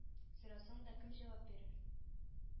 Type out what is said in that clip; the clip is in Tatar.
Сорасаң да кем җавап бирер